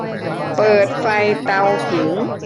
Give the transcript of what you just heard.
เปิดไฟเตาผิง